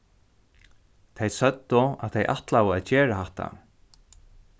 tey søgdu at tey ætlaðu at gera hatta